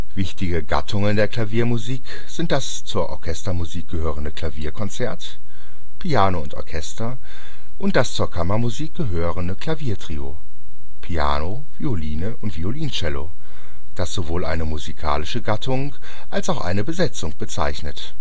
Wichtige Gattungen der Klaviermusik sind das zur Orchestermusik gehörende Klavierkonzert (Piano und Orchester) und das zur Kammermusik gehörende Klaviertrio (Piano, Violine, Violoncello), das sowohl eine musikalische Gattung als auch eine Besetzung bezeichnet